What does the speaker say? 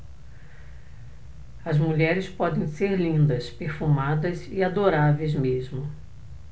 as mulheres podem ser lindas perfumadas e adoráveis mesmo